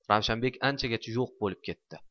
ravshanbek anchagacha yo'q bo'lib ketdi